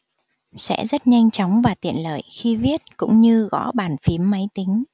sẽ rất nhanh chóng và tiện lợi khi viết cũng như gõ bàn phím máy tính